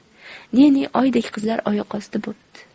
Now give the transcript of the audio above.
ne ne oydek qizlar oyoqosti bo'pti